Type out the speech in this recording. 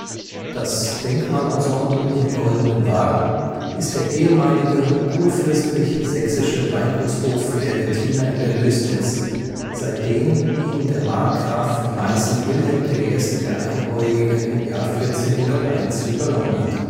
das Denkmalensemble im Goldenen Wagen, ist der ehemalige Kurfürstlich-Sächsische Weingutshof der Wettiner in der Lößnitz, seitdem ihn der Markgraf von Meißen Wilhelm I. der Einäugige 1401 übernommen hatte